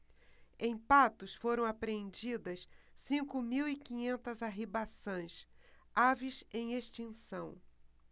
em patos foram apreendidas cinco mil e quinhentas arribaçãs aves em extinção